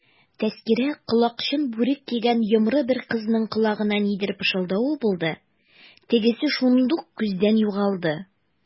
Тәзкирә колакчын бүрек кигән йомры бер кызның колагына нидер пышылдавы булды, тегесе шундук күздән югалды.